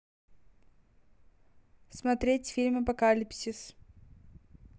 смотреть фильм апокалипсис